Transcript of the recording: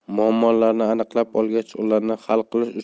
muammolarni aniqlab olgach ularni hal qilish